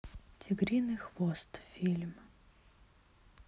тигриный хвост фильм